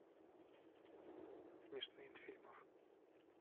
смешные моменты из фильмов